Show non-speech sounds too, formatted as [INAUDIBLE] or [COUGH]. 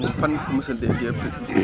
[HESITATION] fan nga ko mos a déggee [CROSSTALK]